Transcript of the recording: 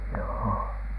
joo